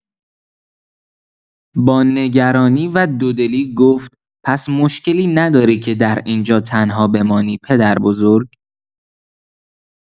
با نگرانی و دودلی گفت: «پس مشکلی نداری که در این‌جا تنها بمانی پدربزرگ؟»